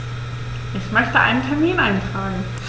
Ich möchte einen Termin eintragen.